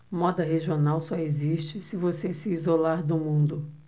moda regional só existe se você se isolar do mundo